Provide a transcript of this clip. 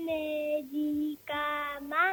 Ne di ka ma